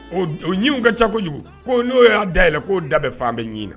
O o ɲinw ka ca kojugu, ko n'o y'a da yɛlɛn k'o da bɛɛ faa nbɛ ɲin na.